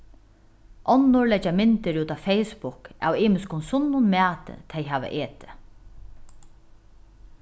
onnur leggja myndir út á facebook av ymiskum sunnum mati tey hava etið